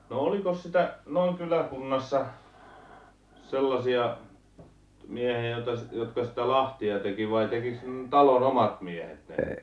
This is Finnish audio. no olikos sitä noin kyläkunnassa sellaisia miehiä jota - jotka sitä lahtia teki vai tekikö ne talon omat miehet ne